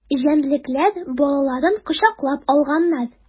Җәнлекләр балаларын кочаклап алганнар.